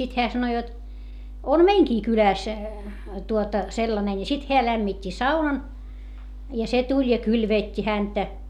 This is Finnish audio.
sitten hän sanoi jotta on meidänkin kylässä tuota sellainen niin sitten hän lämmitti saunan ja se tuli ja kylvetti häntä